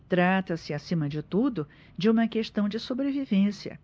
trata-se acima de tudo de uma questão de sobrevivência